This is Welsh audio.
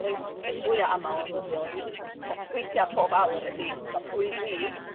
...reit yn fwya amal yn ddyddiol rili weithia' pob awr ydi mae pwy dw i